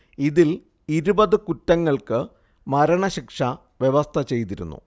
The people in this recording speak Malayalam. ഇതിൽ ഇരുപത് കുറ്റങ്ങൾക്ക് മരണശിക്ഷ വ്യവസ്ഥ ചെയ്തിരുന്നു